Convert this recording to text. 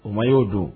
O ma ye o don